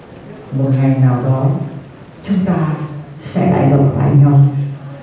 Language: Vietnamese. một ngày nào đó chúng ta sẽ lại gặp lại nhau